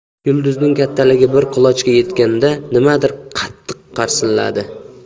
yulduzning kattaligi bir qulochga yetganda nimadir qattiq qarsilladi